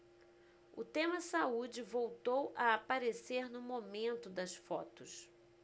o tema saúde voltou a aparecer no momento das fotos